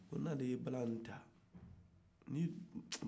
ko ni ale ye bala in ta